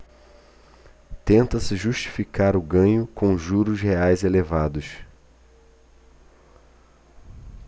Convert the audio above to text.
tenta-se justificar o ganho com os juros reais elevados